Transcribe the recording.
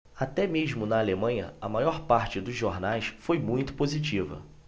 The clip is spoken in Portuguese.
até mesmo na alemanha a maior parte dos jornais foi muito positiva